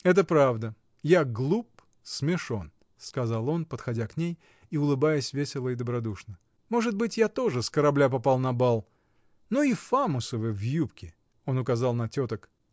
— Это правда, я глуп, смешон, — сказал он, подходя к ней и улыбаясь весело и добродушно, — может быть, я тоже с корабля попал на бал. Но и Фамусовы в юбке! — он указал на теток.